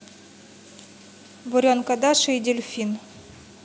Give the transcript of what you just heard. буренка даша и дельфин